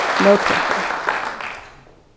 móttøkan